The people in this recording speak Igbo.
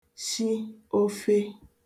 shi ofē